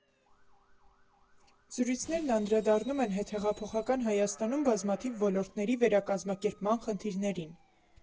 Զրույցներն անդրադառնում են հետհեղափոխական Հայաստանում բազմաթիվ ոլորտների վերակազմակերպման խնդիրներին.